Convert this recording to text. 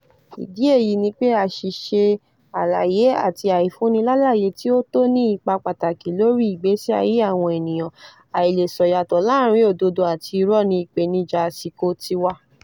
Ìdí èyí ni pé àṣìṣe àlàyé àti àìfúnnilálàyé tí ó tọ́ ní ipa pataki lórí ìgbésí ayé àwọn ènìyàn; àìlèṣèyàtọ̀ láàárín òdodo àti irọ́ ni ìpèníjà àsìkò tiwa.